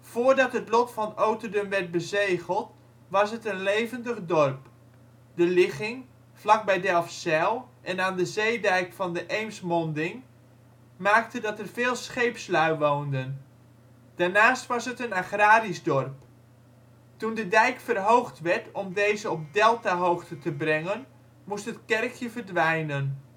Voordat het lot van Oterdum werd bezegeld, was het een levendig dorp. De ligging, vlak bij Delfzijl en aan de zeedijk van de Eemsmonding, maakte dat er veel scheepslui woonden. Daarnaast was het een agrarisch dorp. Toen de dijk verhoogd werd om deze op Deltahoogte te brengen moest het kerkje verdwijnen